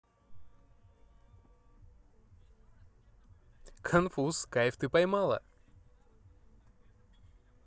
конфуз кайф ты поймала